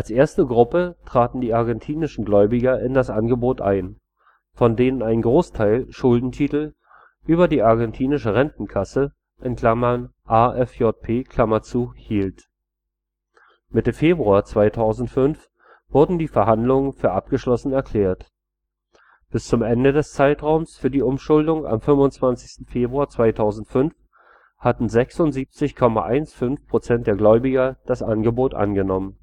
erste Gruppe traten die argentinischen Gläubiger in das Angebot ein, von denen ein Großteil Schuldentitel über die argentinischen Rentenkassen (AFJP) hielt. Mitte Februar 2005 wurden die Verhandlungen für abgeschlossen erklärt. Bis zum Ende des Zeitraums für die Umschuldung am 25. Februar 2005 hatten 76,15% der Gläubiger das Angebot angenommen